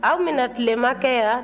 anw bɛ na tilema kɛ yan